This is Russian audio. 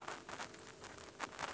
в любой